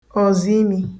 ọ̀zọ̀imī